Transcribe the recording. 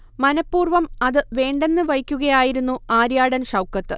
മനപ്പൂർവ്വം അത് വേണ്ടെന്ന് വയ്ക്കുകയായിരുന്നു ആര്യാടൻ ഷൗക്കത്ത്